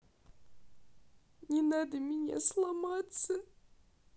нет не надо меня сломаться